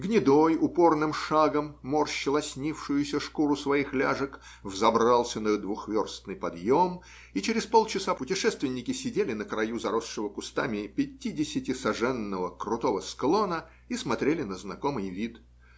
Гнедой упорным шагом, морща лоснившуюся шкуру своих ляжек, взобрался на двухверстный подъем, и через полчаса путешественники сидели на краю заросшего кустами пятидесятисаженного крутого склона и смотрели на знакомый вид.